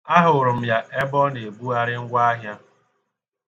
Ahụrụ m ya ebe ọ na-ebugharị ngwaahịa ya.